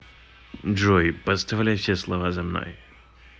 джой поставляй все слова за мной